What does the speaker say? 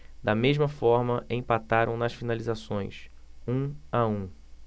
da mesma forma empataram nas finalizações um a um